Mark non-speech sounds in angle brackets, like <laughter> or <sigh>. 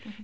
<hesitation> <hesitation>